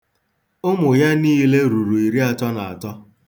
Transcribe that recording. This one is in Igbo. Ụmụ ya niile ruru iriatọ na atọ.